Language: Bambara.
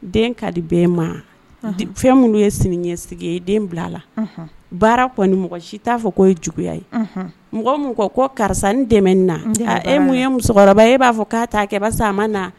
Den ka di bɛ ma fɛn minnu ye sini ɲɛsigi ye den bilala baara kɔni ni mɔgɔ si t'a fɔ ko ye juguya ye mɔgɔ ko karisa ni dɛmɛ na e mun ye musokɔrɔba e b'a fɔ' ta ba a ma na